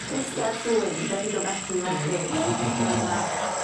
lustia a trwyn debyg ofnadwy nacdi? Ia. Pan nw'n fach.